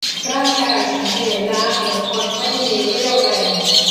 ร่างกายฉันเหนื่อยล้าเหมือนคนไม่มีเรี่ยวแรง